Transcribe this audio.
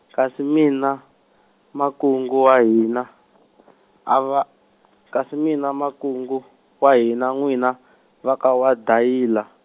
kasi mina, makungu wahi na, ava-, kasi mi na makungu wa hi na nwina va ka waDayila.